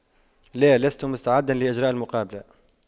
لا لست مستعدا لإجراء المقابلة